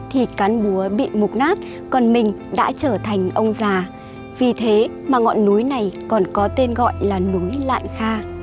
thì cán búa bị mục nát còn mình đã trở thành ông già vì thế mà ngọn núi này còn có tên gọi là núi lạn kha